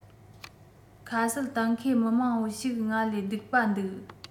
ཁ གསལ གཏན འཁེལ མི མང པོ ཞིག ང ལས སྡུག པ འདུག